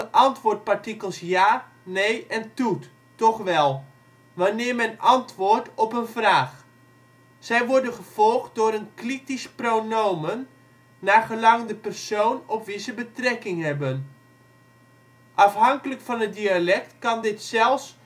antwoordpartikels ja, nee en toet (toch wel) wanneer men antwoordt op een vraag. Zij worden gevolgd door een clitisch pronomen naargelang de persoon op wie ze betrekking hebben. Afhankelijk van het dialect kan dit zelfs